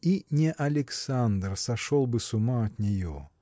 И не Александр сошел бы с ума от нее